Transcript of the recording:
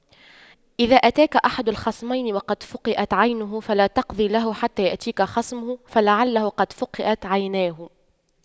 إذا أتاك أحد الخصمين وقد فُقِئَتْ عينه فلا تقض له حتى يأتيك خصمه فلعله قد فُقِئَتْ عيناه